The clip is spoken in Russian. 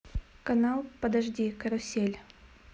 канал подожди карусель